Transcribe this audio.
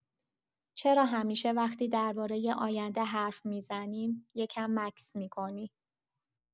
چرا همیشه وقتی درباره آینده حرف می‌زنیم، یه کم مکث می‌کنی؟